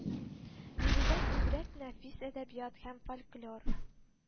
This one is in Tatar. Биредә күбрәк нәфис әдәбият һәм фольклор